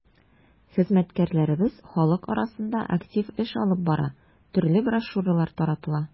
Хезмәткәрләребез халык арасында актив эш алып бара, төрле брошюралар таратыла.